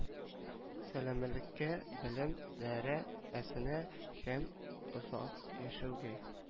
Сәламәлеккә белем дәрә әсенә һәм озак яшәүгә